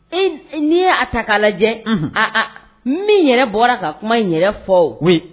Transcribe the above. N'i ye a ta k'a lajɛjɛ a min yɛrɛ bɔra ka kuma yɛrɛ fɔ o koyi